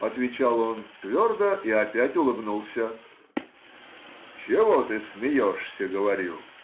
— отвечал он твердо и опять улыбнулся. — Чего ты смеешься? — говорю.